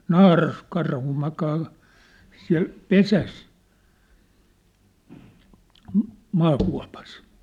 naaraskarhu makaa siellä pesässä - maakuopassa